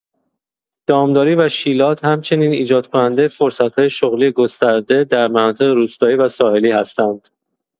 دامداری و شیلات همچنین ایجادکننده فرصت‌های شغلی گسترده در مناطق روستایی و ساحلی هستند.